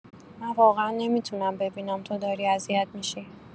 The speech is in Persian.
من واقعا نمی‌تونم ببینم توداری اذیت می‌شی.